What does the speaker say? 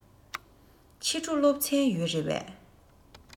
ཕྱི དྲོ སློབ ཚན ཡོད རེད པས